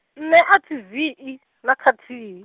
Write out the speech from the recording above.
nṋe a thi vii, na khathihi.